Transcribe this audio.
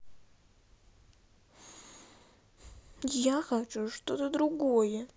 я хочу что то другое